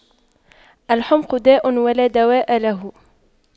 الحُمْقُ داء ولا دواء له